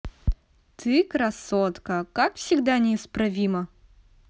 ты красотка как всегда неисправима